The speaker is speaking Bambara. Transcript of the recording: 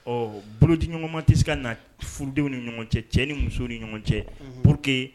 Ɔ bolodiɲɔgɔnma tɛ se ka na furudenw ni ɲɔgɔn cɛ cɛ ni muso ni ɲɔgɔn cɛ pur que